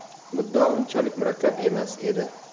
muddao unchalik murakkab emas edi